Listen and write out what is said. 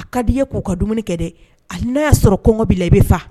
A ka di k'u ka dumuni kɛ dɛ a n'a y'a sɔrɔ kɔngɔ bɛ la i bɛ faa